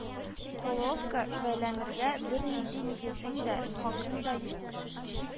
Коловка бәйләнергә бернинди нигезең дә, хакың да юк